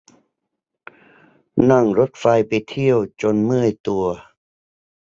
นั่งรถไฟไปเที่ยวจนเมื่อยตัว